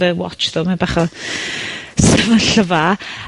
dy watch tho, mae bach o sefyllfa.